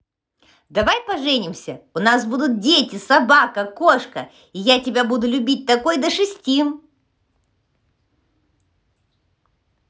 давай поженимся у нас будут дети собака кошка и я тебя буду любить такой до шести